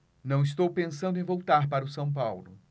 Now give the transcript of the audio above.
não estou pensando em voltar para o são paulo